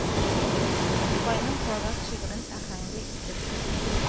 Тукайның Пар ат шигырен аһәңле итеп